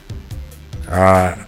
Aa